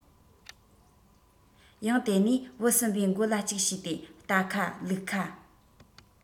ཡང དེ ནས བུ གསུམ པའི མགོ ལ གཅིག ཞུས ཏེ རྟ ཁ ལུག ཁ